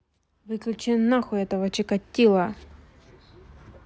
выключи на хуй этого чикатило